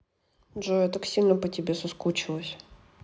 джой я так сильно по тебе соскучилась